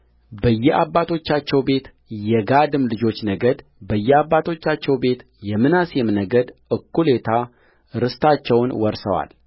በየአባቶቻቸው ቤት የጋድም ልጆች ነገድ በየአባቶቻቸው ቤት የምናሴም ነገድ እኩሌታ ርስታቸውን ወርሰዋል